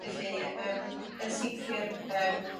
Felly yym yn sicir yym